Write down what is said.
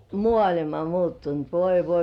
maailma muuttunut voi voi